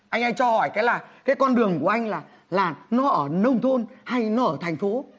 anh ơi cho hỏi cái là cái con đường của anh là là nó ở nông thôn hay nó ở thành phố